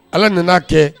Ala nana'a kɛ